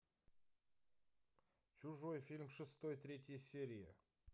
чужой фильм шестой третья серия